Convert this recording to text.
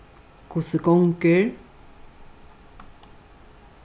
hvussu gongur